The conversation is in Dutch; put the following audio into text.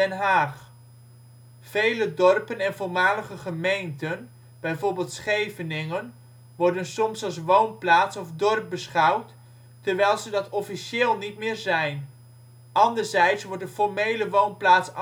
Haag. Vele dorpen en voormalige gemeenten (bijvoorbeeld: Scheveningen) worden soms als woonplaats/dorp beschouwd terwijl ze dat (officieel) niet (meer) zijn. Anderzijds wordt de formele woonplaats